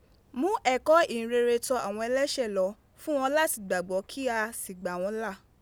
Mu eko ihinrere to awon elese lo fun won lati gbagbo ki a si gba won la.